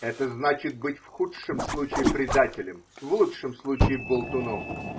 – это значит быть в худшем случае предателем, в лучшем случае болтуном.